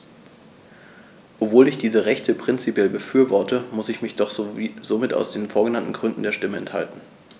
Obwohl ich diese Rechte prinzipiell befürworte, musste ich mich somit aus den vorgenannten Gründen der Stimme enthalten.